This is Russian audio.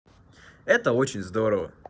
это очень здорово